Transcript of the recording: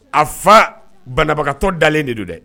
A fa banabagagantɔ dalen de don dɛ